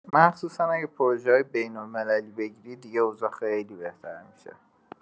مخصوصا اگه پروژه‌های بین‌المللی بگیری، دیگه اوضاع خیلی بهتر می‌شه.